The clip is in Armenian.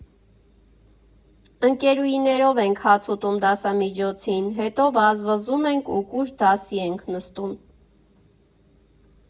Ընկեուհիներով ենք հաց ուտում դասամիջոցին, հետո վազվզում ենք ու կուշտ դասի ենք նստում։